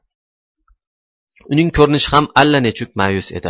uning ko'rinishi ham allanechuk ma'yus edi